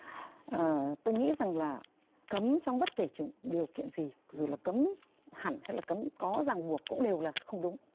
ờ tôi nghĩ rằng là cấm trong bất kể trường điều kiện gì dù là cấm hẳn hay là cấm có ràng buộc cũng đều là không đúng